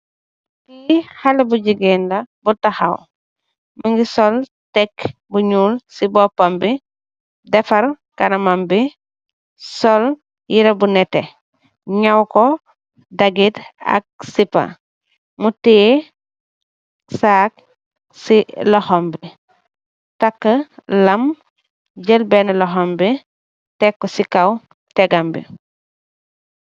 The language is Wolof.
Kii hale bu jigéen la bu taxaw mi ngi sol tekk bu ñuul ci boppam bi defar karamam bi sol yira bu nete ñaw ko dagit ak sipa mu tee saag ci loham bi takk lam jël benn loham bi tekk ci kaw tegam bi.